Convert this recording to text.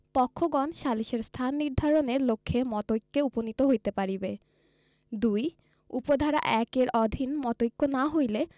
পক্ষগণ সালিসের স্থান নির্ধারণের লক্ষ্যে মতৈক্যে উপনীত হইতে পারিবে ২ উপ ধারা ১ এর অধীন মতৈক্য না হইলে